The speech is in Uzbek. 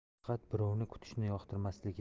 faqat birovni kutishni yoqtirmasligi